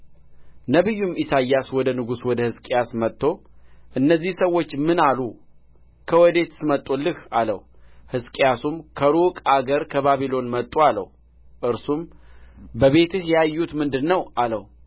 ነቢዩም ኢሳያሳ ወደ ንጉሡ ወደ ሕዝቅያስ መጥቶ እነዚህ ሰዎች ምን አሉ ከወዴትስ መጡልህ አለው ሕዝቅያስም ከሩቅ አገር ከባቢሎን መጡ አለው እርሱም በቤትህ ያዩት ምንድር ነው አለው